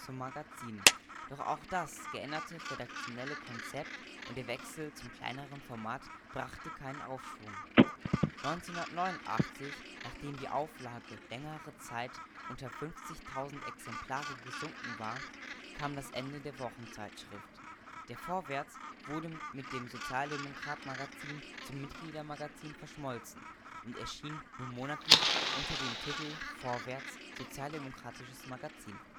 Magazin. Doch auch das geänderte redaktionelle Konzept und der Wechsel zum kleineren Format brachten keinen Aufschwung. 1989, nachdem die Auflage längere Zeit unter 50.000 Exemplare gesunken war, kam das Ende der Wochenzeitschrift: Der Vorwärts wurde mit dem Sozialdemokrat Magazin zum Mitgliedermagazin verschmolzen und erschien nun monatlich unter dem Titel Vorwärts / Sozialdemokratisches Magazin